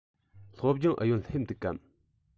སློབ སྦྱོང ཨུ ཡོན སླེབས འདུག གམ